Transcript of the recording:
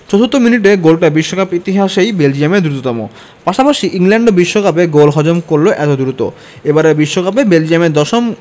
চতুর্থ মিনিটে গোলটা বিশ্বকাপ ইতিহাসেই বেলজিয়ামের দ্রুততম পাশাপাশি ইংল্যান্ডও বিশ্বকাপে গোল হজম করল এত দ্রুত এবারের বিশ্বকাপে বেলজিয়ামের দশম